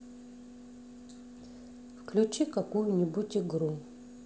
включи какую нибудь игру